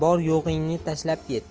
bor yo'g'ingni tashlab ket